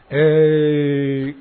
Ɛɛ